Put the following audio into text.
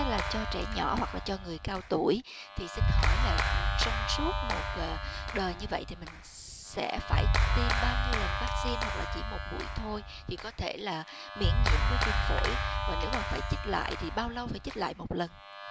là cho trẻ nhỏ hoặc là cho người cao tuổi thì xin hỏi là trong suốt một đời như vậy thì mình sẽ phải tiêm bao nhiêu lần vắc xin hoặc là chỉ một mũi thôi thì có thể là miễn nhiễm với viêm phổi và nếu phải trích lại thì bao lâu mới phải trích lại một lần